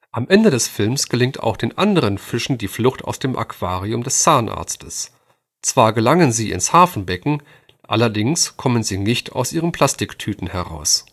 Am Ende des Films gelingt auch den anderen Fischen die Flucht aus dem Aquarium des Zahnarztes. Zwar gelangen sie ins Hafenbecken, allerdings kommen sie nicht aus ihren Plastiktüten heraus